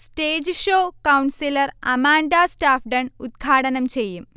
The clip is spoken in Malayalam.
സ്റ്റേജ് ഷോ കൗൺസിലർ അമാൻഡാ സ്റ്റാഫ്ഡൺ ഉദ് ഘാടനം ചെയ്യും